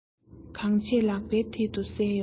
གང བྱས ལག པའི མཐིལ དུ གསལ ཡོང ངོ